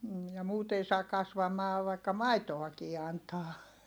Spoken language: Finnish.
- ja muut ei saa kasvamaan vaikka maitoakin antaa